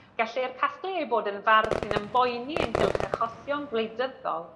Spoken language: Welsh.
Gellir casglu eu bod yn fardd sy'n ymboeni ynghylch achosion gwleidyddol